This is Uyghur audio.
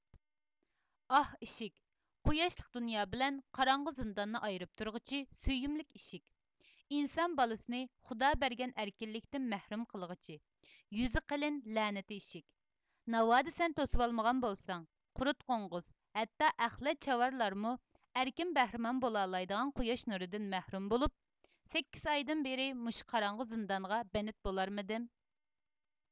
ئاھ ئىشىك قۇياشلىق دۇنيا بىلەن قاراڭغۇ زىنداننى ئايرىپ تۇرغۇچى سۆيۈملۈك ئىشىك ئىنسان بالىسىنى خۇدا بەرگەن ئەركىنلىكدىن مەھرۇم قىلغۇچى يۈزى قېلىن لەنىتى ئىشىك ناۋادا سەن توسۇۋالمىغان بولساڭ قۇرت قوڭغۇز ھەتتا ئەخلەت چاۋالارمۇ ئەركىن بەھرىمەن بولالايدىغان قۇياش نۇرىدىن مەھرۇم بولۇپ سەككىز ئايدىن بېرى مۇشۇ قاراڭغۇ زىندانغا بەنت بولارمىدىم